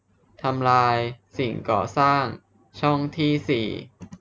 ทำลายสิ่งก่อสร้างช่องที่สี่